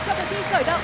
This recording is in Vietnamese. thi khởi động